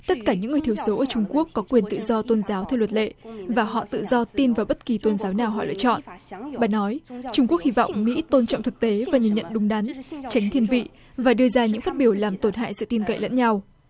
tất cả những người thiểu số ở trung quốc có quyền tự do tôn giáo theo luật lệ và họ tự do tin vào bất kỳ tôn giáo nào họ lựa chọn bà nói trung quốc hy vọng mỹ tôn trọng thực tế và nhìn nhận đúng đắn tránh thiên vị và đưa ra những phát biểu làm tổn hại sự tin cậy lẫn nhau